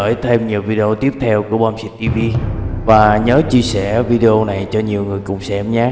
theo dõi thêm nhiều video tiếp theo của boom xịt tv và nhớ chia sẻ video này cho nhiều người cùng xem nhé